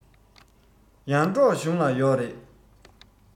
ཡར འབྲོག གཞུང ལ ཡོག རེད